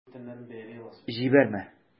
Җибәрмә...